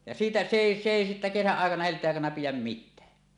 ja siitä se ei se ei sitten kesän aikana helteen aikana pidä mitään